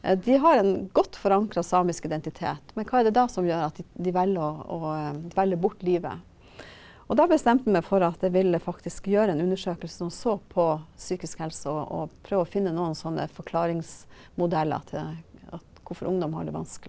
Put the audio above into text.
de har en godt forankra samisk identitet, men hva er det da som gjør at de velger å å velger bort livet, og da bestemte jeg meg for at jeg ville faktisk gjøre en undersøkelse som så på psykisk helse og og prøve å finne noen sånne forklaringsmodeller til at hvorfor ungdom har det vanskelig.